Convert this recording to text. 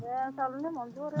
eyyi mi salminimon mi juurima